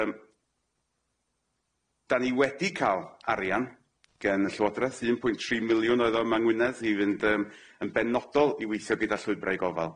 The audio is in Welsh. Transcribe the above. Yym. Dan ni wedi ca'l arian gen y llywodraeth un pwynt tri miliwn oedd o yma Ngwynedd i fynd yym yn benodol i weithio gyda llwybrau gofal.